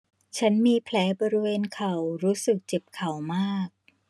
ฉันมีแผลบริเวณเข่ารู้สึกเจ็บเข่ามาก